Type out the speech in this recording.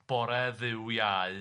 bore Dduw Iau.